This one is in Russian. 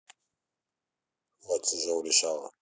влад чижов решала